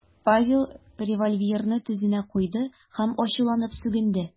Павел револьверны тезенә куйды һәм ачуланып сүгенде .